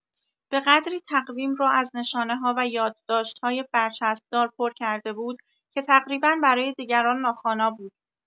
به قدری تقویم را از نشانه‌ها و یادداشت‌های برچسب‌دار پر کرده بود که تقریبا برای دیگران ناخوانا بود.